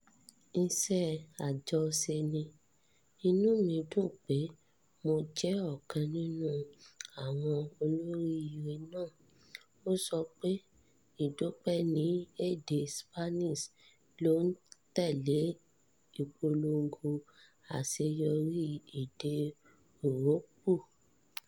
Iṣẹ́ àjọṣẹ ni. Inú mi dùn pé mo jẹ́ ọ̀kan nínú àwọn olóríire náà,” ó sọ pé ìdúpẹ́ ní èdè Spanish ló ń tẹ̀lé ìpòlogo àṣeyọrí ẹgbẹ́ Úróópù.